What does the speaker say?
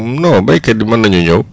non béykat bi mën nañu ñëw